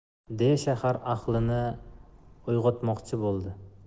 deya shahar ahlini o'yg'otmokchi bo'ldi